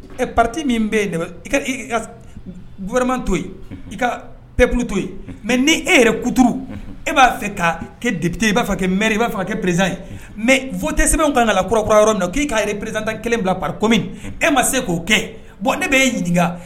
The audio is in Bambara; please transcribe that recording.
Ɛ pate min bɛ yen ka gɛman to i ka pp to yen mɛ ni e yɛrɛ kutu e b'a fɛ ka kɛpte i b'a kɛ mɛri i b'a kɛ perezsan ye mɛ foyi tɛ sɛbɛn kaga kura kura yɔrɔ nɔ k'i kaare perezantan kelen bila pakomi e ma se k'o kɛ bɔn ne bɛ e ɲininka